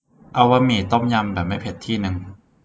เอาบะหมี่ต้มยำแบบไม่เผ็ดที่นึง